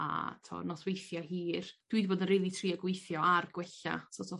A t'o' nosweithia hir dwi 'di fod yn rili trio gweithio ar gwella so't of